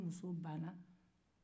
ni muso banna